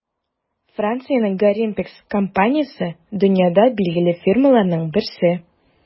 Франциянең Gorimpex компаниясе - дөньяда билгеле фирмаларның берсе.